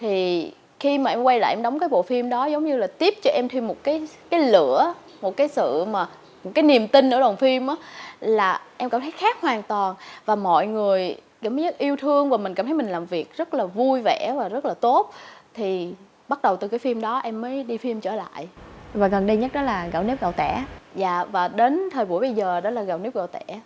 thì khi mà em quay lại đóng cái bộ phim đó giống như là tiếp cho em thêm một cái cái lửa một cái sự mà một cái niềm tin ở đoàn phim á là em cảm thấy khác hoàn toàn và mọi người cảm giác yêu thương và mình cảm thấy mình làm việc rất là vui vẻ và rất là tốt thì bắt đầu từ cái phim đó em mới đi phim trở lại và gần đây nhất đó là gạo nếp gạo tẻ dạ và đến thời buổi bây giờ đó là gạo nếp gạo tẻ